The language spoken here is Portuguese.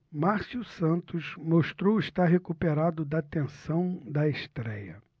márcio santos mostrou estar recuperado da tensão da estréia